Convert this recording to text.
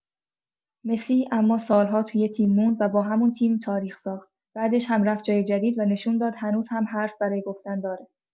مسی اما سال‌ها تو یه تیم موند و با همون تیم تاریخ ساخت، بعدش هم رفت جای جدید و نشون داد هنوز هم حرف برای گفتن داره.